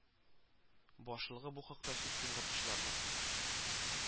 Башлыгы бу хакта сүз кузгатучыларның